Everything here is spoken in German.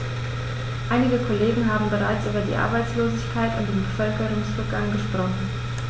Einige Kollegen haben bereits über die Arbeitslosigkeit und den Bevölkerungsrückgang gesprochen.